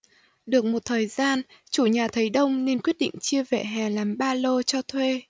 được một thời gian chủ nhà thấy đông nên quyết định chia vỉa hè làm ba lô cho thuê